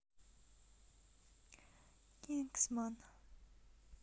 кингсман